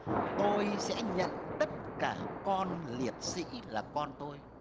tôi sẽ nhận tất cả con liệt sỹ là con tôi